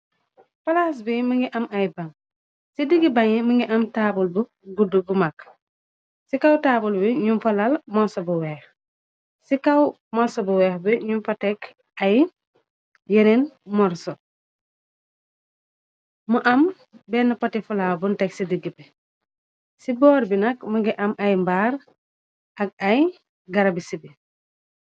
Palaas bi mi ngi am ay ban ci digg bañi mi ngi am taabul bu gudd bu mag ci kaw taabul bi ñu fa lal monsa bu weex ci kaw morso bu weex bi ñu fa tekk ay yeneen morso mu am benn potifala bunteg ci diggi be ci boor bi nak më ngi am ay mbaar ak ay garabi ci bi.